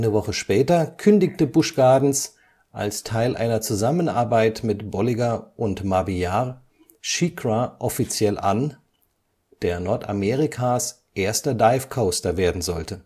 Woche später kündigte Busch Gardens, als Teil einer Zusammenarbeit mit Bolliger & Mabillard, SheiKra offiziell an, der Nordamerikas erster Dive Coaster werden sollte